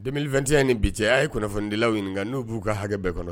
2021 nin bi cɛ a' ye kunnafonidilaw ɲininka n'u b'u ka hakɛ bɛɛ kɔnɔ.